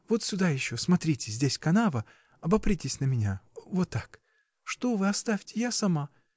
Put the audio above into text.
Вот сюда, еще: смотрите, здесь канава, обопритесь на меня — вот так! — Что вы, оставьте, я сама!.